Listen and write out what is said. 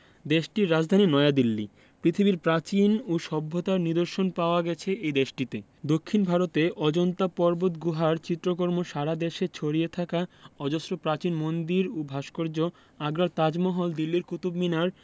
দেশটির রাজধানী নয়াদিল্লী পৃথিবীর প্রাচীন ও সভ্যতার নিদর্শন পাওয়া গেছে এ দেশটিতে দক্ষিন ভারতে অজন্তা পর্বতগুহার চিত্রকর্ম সারা দেশে ছড়িয়ে থাকা অজস্র প্রাচীন মন্দির ও ভাস্কর্য আগ্রার তাজমহল দিল্লির কুতুব মিনার